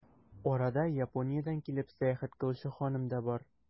Арада, Япониядән килеп, сәяхәт кылучы ханым да бар.